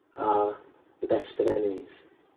a The Best of Enemies.